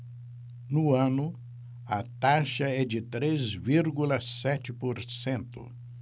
no ano a taxa é de três vírgula sete por cento